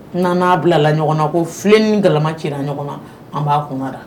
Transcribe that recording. N'an'a bila la ɲɔgɔn na , ko fien ni gaama ci la ɲɔgɔn na , an b'a kunada.